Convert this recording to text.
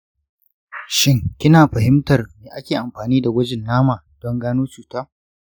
shin kina fahimtar me ake amfani da gwajin nama don gano cuta?